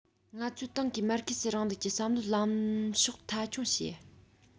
ང ཚོའི ཏང གིས མར ཁེ སིའི རིང ལུགས ཀྱི བསམ བློའི ལམ ཕྱོགས མཐའ འཁྱོངས བྱས